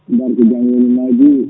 mbar ko jam woni Madina